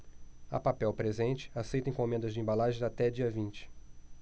a papel presente aceita encomendas de embalagens até dia vinte